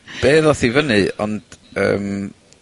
be ddoth i fyny, ond, yym,